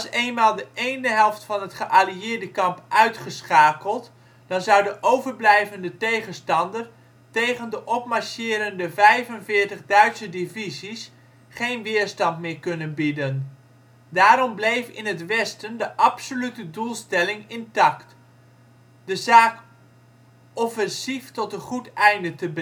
eenmaal de ene helft van het geallieerde kamp uitgeschakeld, dan zou de overblijvende tegenstander tegen de opmarcherende vijfenveertig Duitse divisies geen weerstand meer kunnen bieden. Daarom bleef in het westen de ‘absolute doelstelling’ intact: de zaak ‘offensief’ tot een goed einde te brengen